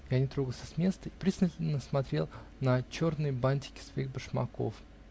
я не трогался с места и пристально смотрел на черные бантики своих башмаков.